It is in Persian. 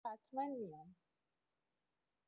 حتما میام.